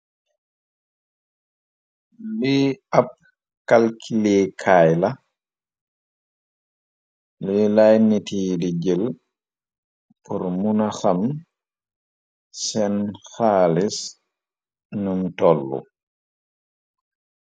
li ab kalkiliikaay la luy laay niti di jël por muna xam seen xaalis num tollu.